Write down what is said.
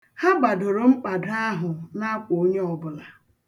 Ha gbadoro mkpado ahụ n'akwa onye ọbụla.